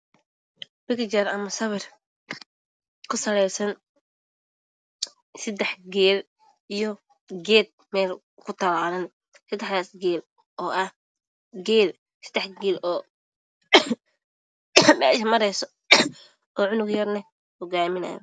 Waa sawir meel kudhagan waxaa kusawiran seddex geel ah iyo geed meesha kutalaalan, waana seddex geel oo cunug yar hugaaminaayo.